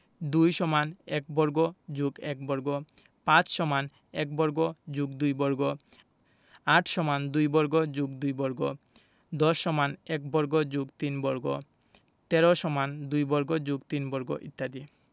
২ = ১ বর্গ + ১ বর্গ ৫ = ১ বর্গ + ২ বর্গ ৮ = ২ বর্গ + ২ বর্গ ১০ = ১ বর্গ + ৩ বর্গ ১৩ = ২ বর্গ + ৩ বর্গ ইত্যাদি